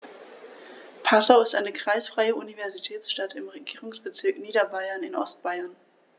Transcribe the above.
Passau ist eine kreisfreie Universitätsstadt im Regierungsbezirk Niederbayern in Ostbayern.